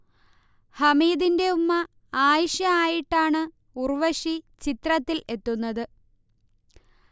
ഹമീദിന്റെ ഉമ്മ ആയിഷ ആയിട്ടാണ് ഉർവശി ചിത്രത്തിൽ എത്തുന്നത്